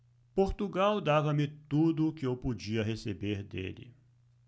portugal dava-me tudo o que eu podia receber dele